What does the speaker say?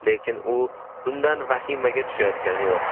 lekin u bundan vahimaga tushayotgani yo'q